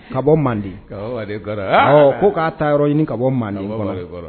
Ka bɔ manden ko k'a ta yɔrɔ ɲini ka bɔ manden